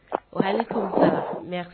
Hali'